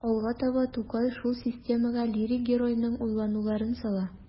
Алга таба Тукай шул системага лирик геройның уйлануларын сала.